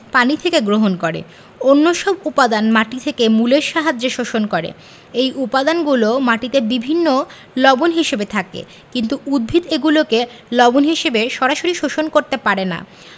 পানি থেকে গ্রহণ করে অন্যসব উপাদান মাটি থেকে মূলের সাহায্যে শোষণ করে এ উপাদানগুলো মাটিতে বিভিন্ন লবণ হিসেবে থাকে কিন্তু উদ্ভিদ এগুলোকে লবণ হিসেবে সরাসরি শোষণ করতে পারে না